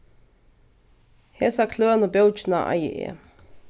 hesa klønu bókina eigi eg